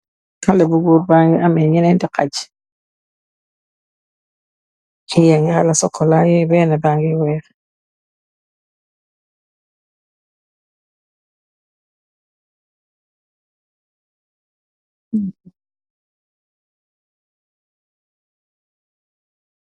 Haleh bu gorre bangy ameh njenti hajj, kii yangy hala chocolat bena bangy wekh.